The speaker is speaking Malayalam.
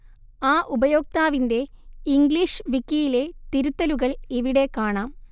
ആ ഉപയോക്താവിന്റെ ഇംഗ്ലീഷ് വിക്കിയിലെ തിരുത്തലുകൾ ഇവിടെ കാണാം